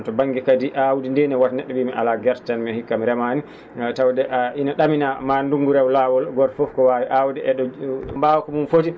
to ba?nge kadi aawdi ndii ne wata ne??o wii mi alaa gerte tan miin hikka mi remaani tawde ina ?aminaa ma ndunngu rew laawol gooto fof ko waawi aawde e ?o mbaawka mum foti